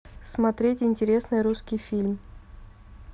смотреть интересный русский фильм